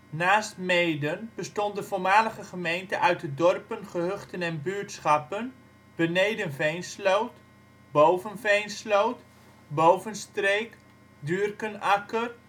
Naast Meeden bestond de voormalige gemeente uit de dorpen, gehuchten en buurtschappen: Beneden Veensloot, Boven Veensloot, Bovenstreek, Duurkenakker